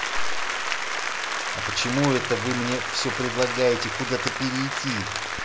а почему это вы мне все предлагаете куда то перейти